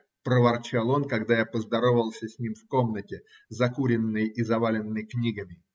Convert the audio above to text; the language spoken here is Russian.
- проворчал он, когда я поздоровался с ним в комнате, закуренной и заваленной книгами.